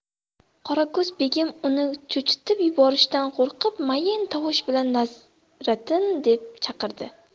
qorako'z begim uni cho'chitib yuborishdan qo'rqib mayin tovush bilan hazratim deb chaqirdi